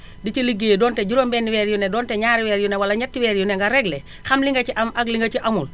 di ci ligéeyee donte juróom benni weer yu ne donte ñaar weer yu ne wala ñetti weer yu ne nga réglé xam li nga ci am ak li nga ci amul